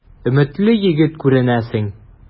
Өметле егет күренәсең.